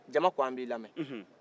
jama k'an b'i lamɛ